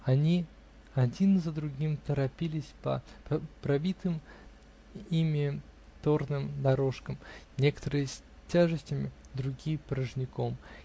Они один за другим торопились по пробитым ими торным дорожкам: некоторые с тяжестями, другие порожняком.